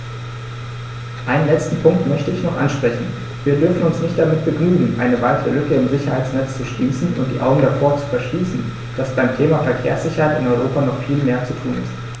Einen letzten Punkt möchte ich noch ansprechen: Wir dürfen uns nicht damit begnügen, eine weitere Lücke im Sicherheitsnetz zu schließen und die Augen davor zu verschließen, dass beim Thema Verkehrssicherheit in Europa noch viel mehr zu tun ist.